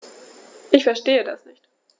Ich verstehe das nicht.